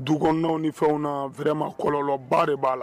Du ni fɛnw na vma kɔlɔlɔnlɔnba de b'a la